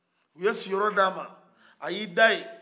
u ye siyɔrɔ di a ma a ye a da ye